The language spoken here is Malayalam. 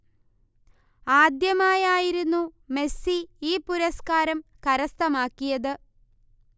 ആദ്യമായായിരുന്നു മെസ്സി ഈ പുരസ്കാരം കരസ്ഥമാക്കിയത്